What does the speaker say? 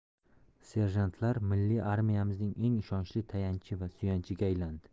serjantlar milliy armiyamizning eng ishonchli tayanchi va suyanchiga aylandi